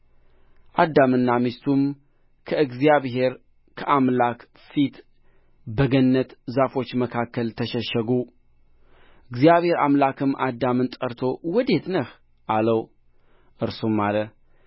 አዳምና ሚስቱም ከእግዚአብሔር ከአምላክ ፊት በገነት ዛፎች መካከል ተሸሸጉ እግዚአብሔር አምላክም አዳምን ጠርቶ ወዴት ነህ አለው እርሱም አለ